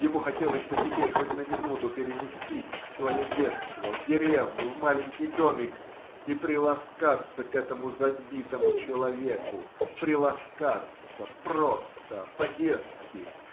Ему хотелось бы теперь хоть на минуту перенестись в свое детство, в деревню, в маленький домик и приласкаться к этому забитому человеку, приласкаться просто, по-детски.